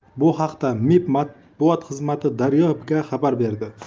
bu haqda mib matbuot xizmati daryo ga xabar berdi